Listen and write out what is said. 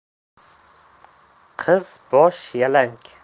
qiz bosh yalang